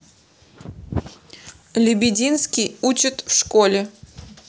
лебединский учат в школе